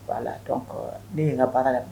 La ne ye ka baara la